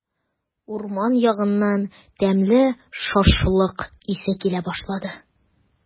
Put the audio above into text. Урман ягыннан тәмле шашлык исе килә башлады.